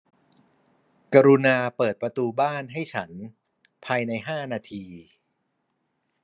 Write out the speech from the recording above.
กรุณาเปิดประตูบ้านให้ฉันภายในห้านาที